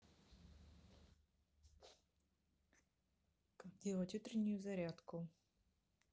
как делать утреннюю зарядку